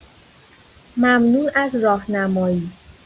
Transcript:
ممنون از راهنمایی